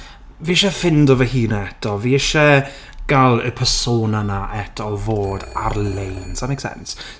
Fi isie ffindio fy hun eto. Fi isie gael y persona 'na eto o fod ar-lein. Does that make sense?